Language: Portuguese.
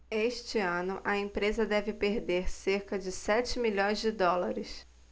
este ano a empresa deve perder cerca de sete milhões de dólares